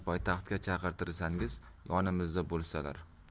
poytaxtga chaqirtirsangiz yonimizda bo'lsalar